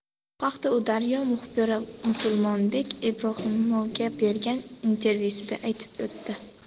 bu haqda u daryo muxbiri musulmonbek ibrohimovga bergan intervyusida aytib o'tdi